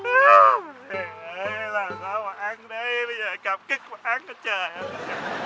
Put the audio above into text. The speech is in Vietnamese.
làm sao mà ăn đây bây giờ cầm kết quả trời ơi